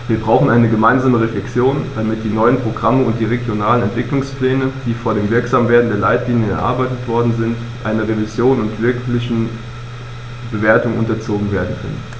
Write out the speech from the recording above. Wir brauchen eine gemeinsame Reflexion, damit die neuen Programme und die regionalen Entwicklungspläne, die vor dem Wirksamwerden der Leitlinien erarbeitet worden sind, einer Revision und wirklichen Bewertung unterzogen werden können.